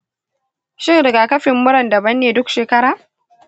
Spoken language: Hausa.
shin rigakafin muran daban ne duk shekara?